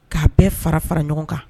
K'a bɛɛ fara fara ɲɔgɔn kan